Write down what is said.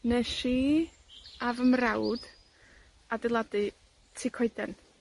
nesh i, a fy mrawd adeiladu tŷ coeden.